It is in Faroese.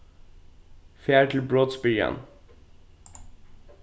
far til brotsbyrjan